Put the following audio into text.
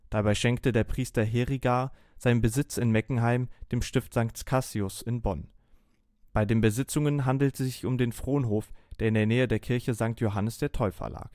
Dabei schenkte der Priester Herigar seinen Besitz in Meckenheim dem Stift St. Cassius in Bonn. Bei den Besitzungen handelte es sich um den Fronhof, der in der Nähe der Kirche St. Johannes der Täufer